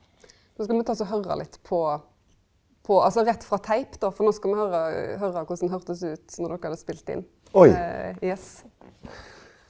no skal me ta også høyra litt på på altså rett frå teip då for no skal me høyra høyra korleis høyrdest det ut når dokker hadde spelt inn yes.